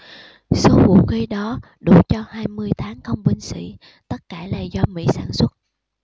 số vũ khí đó đủ cho hai mươi tháng không binh sĩ tất cả là do mỹ sản xuất